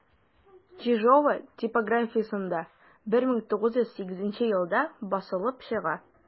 Чижова типографиясендә 1908 елда басылып чыга.